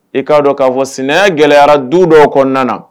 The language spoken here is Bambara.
I k'a dɔn k'a fɔ sɛnɛ gɛlɛyara du dɔ kɔnɔna